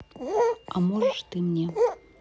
а можешь ты мне